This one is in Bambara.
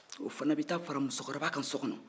o fana bɛ taa fara musokɔrɔba kan sokɔnɔ